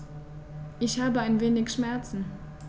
Ich habe ein wenig Schmerzen.